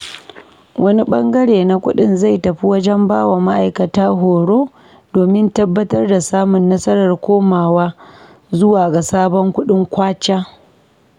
Wani ɓangare na kuɗin zai tafi wajen ba wa ma'aikata horo domin tabbatar da samun nasarar komawa zuwa ga sabon kuɗin kwacha.